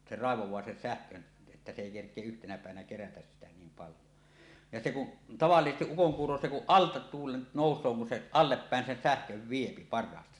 se raivaa sen sähkön että se ei kerkiä yhtenä päivänä kerätä sitä niin paljon ja se kun tavallisesti ukonkuuro se kun alta tuulen nousee kun se allepäin sen sähkön vie parhaasta